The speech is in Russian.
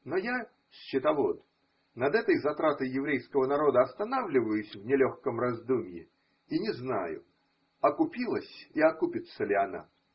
Но я, счетовод, над этой затратой еврейского народа останавливаюсь в нелегком раздумьи и не знаю. окупилась и окупится ли она.